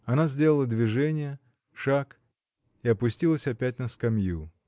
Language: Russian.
Она сделала движение, шаг, и опустилась опять на скамью.